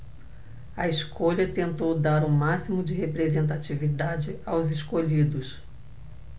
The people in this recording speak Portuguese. a escolha tentou dar o máximo de representatividade aos escolhidos